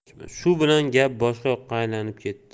shu bilan gap boshqa yoqqa aylanib ketdi